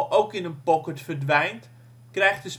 ook in een pocket verdwijnt, krijgt de